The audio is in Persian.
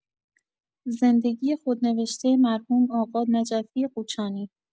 زندگی خودنوشته مرحوم آقا نجفی قوچانی